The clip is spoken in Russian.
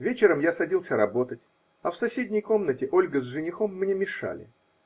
Вечером я садился работать -- а в соседней комнате Ольга с женихом мне мешали.